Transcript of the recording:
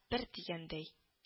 Бер дигәндәй